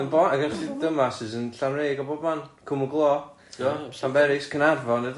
Ma' gynna chdi dumbasses yn Llanrug a bobman, Cwm y Glo, ti'bod, Llanberis, Caernarfon hyd'n oed.